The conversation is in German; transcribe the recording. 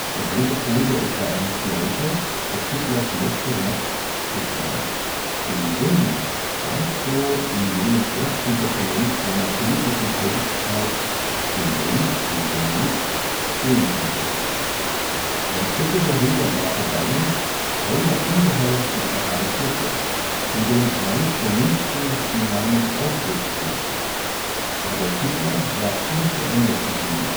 So betonte etwa Ernst Nolte, dass Hitlers letzter Satz „ dem Sinne nach ganz so in jenem ersten Dokument seiner politischen Tätigkeit, dem Brief an Gemlich, stehen könnte. Ein Vierteljahrhundert war vergangen, voll der ungeheuersten Ereignisse, von denen eines der jüngsten den Namen Auschwitz trug: Adolf Hitler war unverändert geblieben